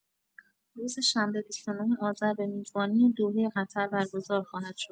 روز شنبه ۲۹ آذر به میزبانی دوحه قطر برگزار خواهد شد.